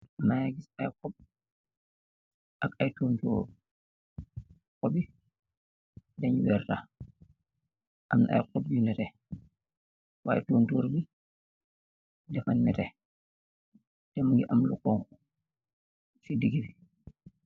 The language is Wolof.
Mageh giss ay xoop ak ay totorr xoop yi deng wertah am ay xoop yu netex y tontorr bi dafa netex tex mogi am lu xonko si degi bi.